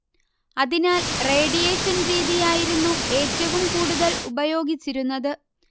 അതിനാൽ റേഡിയേഷൻ രീതിയായിരുന്നു ഏറ്റവും കൂടുതൽ ഉപയോഗിച്ചിരുന്നത്